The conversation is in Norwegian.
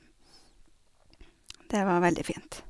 Det var veldig fint.